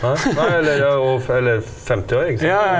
nei nei eller ja og eller 50 år ikke sant.